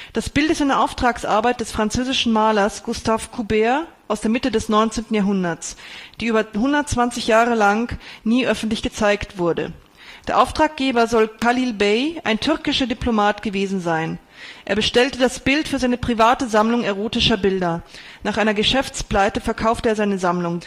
Das Bild ist eine Auftragsarbeit des französischen Malers Gustave Courbet aus der Mitte des 19. Jahrhunderts, die über 120 Jahre lang nie öffentlich gezeigt wurde. Der Auftraggeber soll Khalil-Bey, ein türkischer Diplomat, gewesen sein. Er bestellte das Bild für seine private Sammlung erotischer Bilder. Nach einer Geschäftspleite verkaufte er seine Sammlung